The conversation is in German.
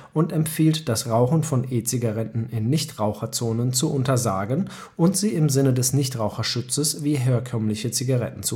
und empfiehlt das Rauchen von E-Zigaretten in Nichtraucherzonen zu untersagen und sie im Sinne des Nichtraucherschutzes wie herkömmliche Zigaretten